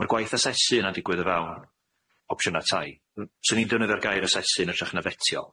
Ma'r gwaith asesu yna'n digwydd o fewn opsiynna tai, n- swn i'n defnyddio'r gair asesu yn ytrach na fetio.